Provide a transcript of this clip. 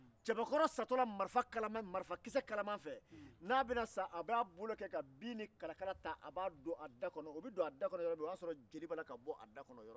marifakisɛ kalaman fɛ cɛbakɔrɔ satɔ bɛ bin ni kalakala don a da o b'a sɔrɔ joli bɛ bɔ a fɛ